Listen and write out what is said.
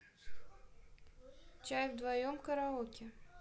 чай вдвоем караоке